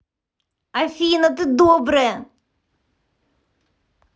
афина ты добрая